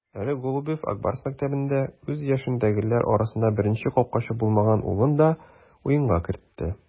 Әле Голубев "Ак Барс" мәктәбендә үз яшендәгеләр арасында беренче капкачы булмаган улын да уенга кертте.